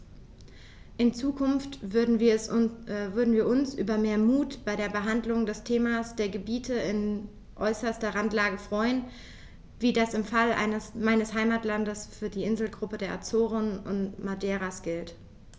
In Zukunft würden wir uns über mehr Mut bei der Behandlung des Themas der Gebiete in äußerster Randlage freuen, wie das im Fall meines Heimatlandes für die Inselgruppen der Azoren und Madeiras gilt.